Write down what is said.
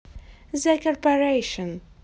the corporation